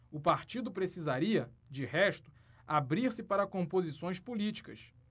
o partido precisaria de resto abrir-se para composições políticas